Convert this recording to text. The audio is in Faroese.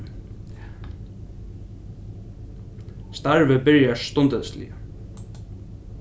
starvið byrjar stundisliga